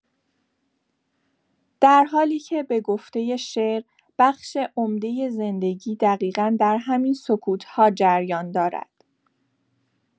در حالی که، به‌گفته شعر، بخش عمده زندگی دقیقا در همین سکوت‌ها جریان دارد.